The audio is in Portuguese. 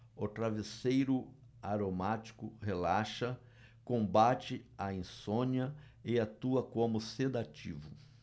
o travesseiro aromático relaxa combate a insônia e atua como sedativo